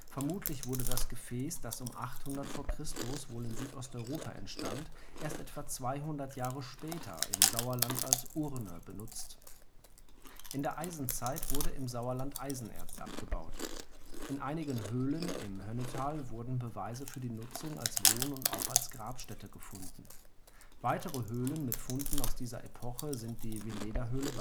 Vermutlich wurde das Gefäß, das um 800 v. Chr. wohl in Südosteuropa entstand, erst etwa 200 Jahre später im Sauerland als Urne benutzt. In der Eisenzeit wurde im Sauerland Eisenerz abgebaut. In einigen Höhlen im Hönnetal wurden Beweise für die Nutzung als Wohn - und auch als Grabstätte gefunden. Weitere Höhlen mit Funden aus dieser Epoche sind die Veledahöhle